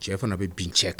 Cɛ fana bɛ bin cɛ kan!